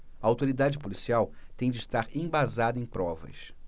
a autoridade policial tem de estar embasada em provas